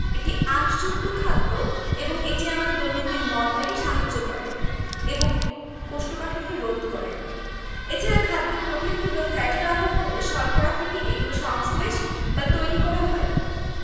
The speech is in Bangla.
এটি আঁশযুক্ত খাদ্য এবং এটি আমাদের দৈনন্দিন মল ত্যাগে সাহায্য করে এবং কোষ্ঠকাঠিন্য রোধ করে এছাড়া খাদ্যে প্রোটিন কিংবা ফ্যাটের অভাব হলে শর্করা থেকে এগুলো সংশ্লেষ বা তৈরী করা হয়